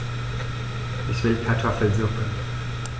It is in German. Ich will Kartoffelsuppe.